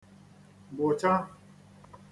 -gbụ̀cha